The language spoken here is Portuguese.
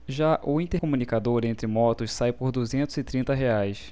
já o intercomunicador entre motos sai por duzentos e trinta reais